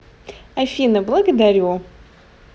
афина благодарю